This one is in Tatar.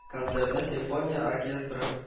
Концертны симфония оркестры